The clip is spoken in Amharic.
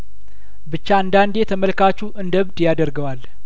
ብቻ አንዳንዴ ተመልካቹ እንደእብድ ያደርገዋል